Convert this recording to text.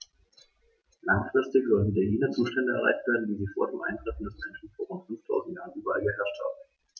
Langfristig sollen wieder jene Zustände erreicht werden, wie sie vor dem Eintreffen des Menschen vor rund 5000 Jahren überall geherrscht haben.